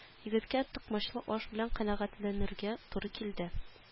Егеткә токмачлы аш белән канәгатьләнергә туры килде